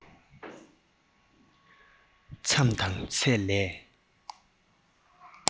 མཚམས དང ཚད ལས